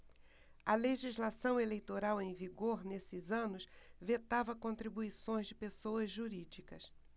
a legislação eleitoral em vigor nesses anos vetava contribuições de pessoas jurídicas